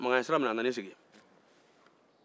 makan nana i sigi